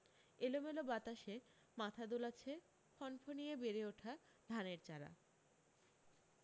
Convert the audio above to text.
এলোমেলো বাতাসে মাথা দোলাচ্ছে ফনফনিয়ে বেড়ে ওঠা ধানের চারা